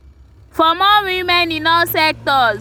For more women in all sectors.